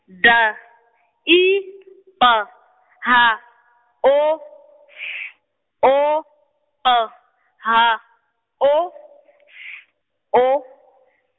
D I , P H O S O P H O S O.